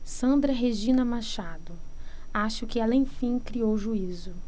sandra regina machado acho que ela enfim criou juízo